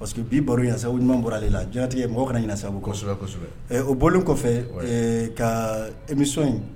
Parce que bi baro saɲuman bɔra de la jtigɛ mɔgɔ kana ɲɛna sabusɔ o bɔlen kɔfɛ ka emi in